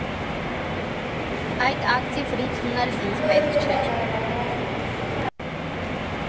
Այդ ակտիվ ռիթմն էլ ինձ պետք չէր։